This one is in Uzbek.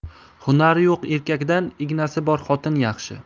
hunari yo'q erkakdan ignasi bor xotin yaxshi